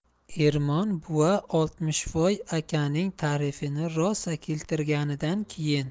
ermon buva oltmishvoy akaning tarifini rosa keltirganidan keyin